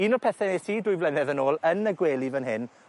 Un o pethe nes i dwy flynedd yn ôl yn y gwely fan hyn